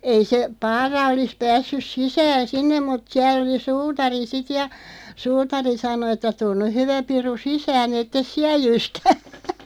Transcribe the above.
ei se Paara olisi päässyt sisään sinne mutta siellä oli suutari sitten ja suutari sanoi että tule nyt hyvä piru sisään että et siellä jyskä